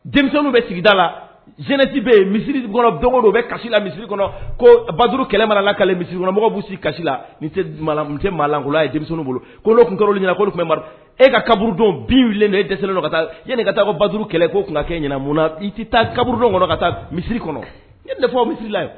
Denmisɛnninw bɛ sigida la zti bɛ yen misiri kɔnɔ dɔgɔ dɔ bɛ kasi la misiri kɔnɔ ko bauru kɛlɛ mara la ka misiri kɔnɔmɔgɔw bɛ si kasi la tɛ maalankurala a ye denmisɛn bolo' tun kɔrɔ ɲini k' tun e ka kaburudon bin wili e dɛsɛ ka taa yan nin ka taa bauru kɛlɛ' tun ka kɛ ɲɛna mun na i tɛ taa kaburudon kɔnɔ ka taa misiri kɔnɔ efɔ misila